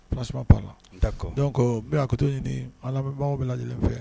Franchement parlant . D'accord . Donc n bɛ hakɛto ɲini an lamɛbagaw bɛɛ lajɛlen fɛ.